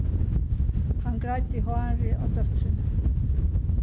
hann greiddi hárið á dóttrini